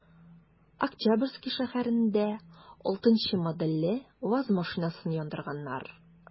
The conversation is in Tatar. Октябрьский шәһәрендә 6 нчы модельле ваз машинасын яндырганнар.